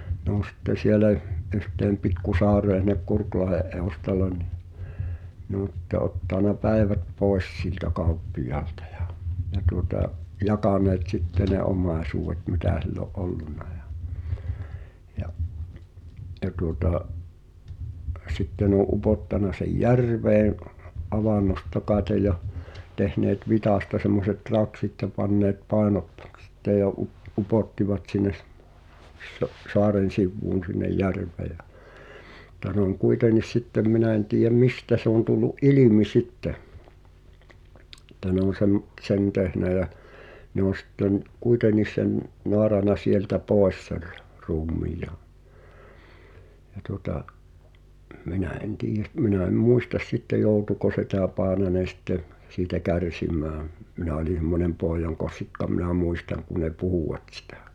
ne on sitten siellä yhteen pikku saareen sinne Kurkilahden edustalle niin ne on sitten ottanut päivät pois siltä kauppiaalta ja ja tuota jakaneet sitten ne omaisuudet mitä sillä oli ollut ja ja ja tuota sitten ne oli upottanut sen järveen avannosta kai ja tehneet vitsasta semmoiset raksit ja panneet painot sitten ja - upottivat sinne - saaren sivuun sinne järveen ja mutta se on kuitenkin sitten minä en tiedä mistä se on tullut ilmi sitten että ne on - sen tehnyt ja ne on sitten kuitenkin sen naarannut sieltä pois sen ruumiin ja ja tuota minä en tiedä - minä en muista sitten joutuiko se tämä Paananen sitten siitä kärsimään minä olin semmoinen pojankossikka minä muistan kun ne puhuvat sitä